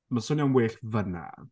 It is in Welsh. Mae'n swnio'n well fanna.